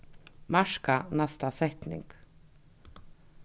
marka næsta setning